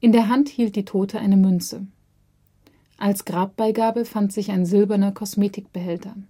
der Hand hielt die Tote eine Münze. Als Grabbeigabe fand sich ein silberner Kosmetikbehälter